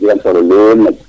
jogan solo lool nak